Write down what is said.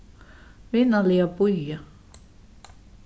vinarliga bíða